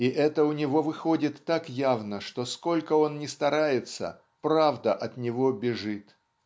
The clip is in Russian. и это у него выходит так явно что сколько он ни старается правда от него бежит.